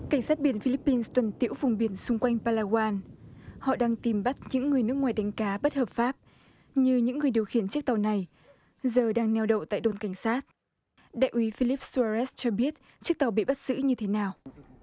cảnh sát biển phi líp bin tuần tiễu vùng biển xung quanh ba la goan họ đang tìm bắt những người nước ngoài đánh cá bất hợp pháp như những người điều khiển chiếc tàu này giờ đang neo đậu tại đồn cảnh sát đại úy phi líp xu a rét cho biết chiếc tàu bị bắt giữ như thế nào